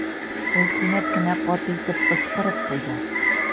Ул кинәт кенә каты итеп пошкырып куйды.